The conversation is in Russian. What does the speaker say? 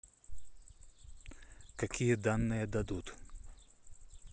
какие данные дадут